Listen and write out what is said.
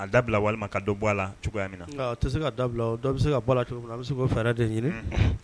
A da bila walima ka bɔ a la cogoya min na tɛ se ka da bɛ se ka bɔ cogo a bɛ se k' fɛrɛɛrɛ de ɲini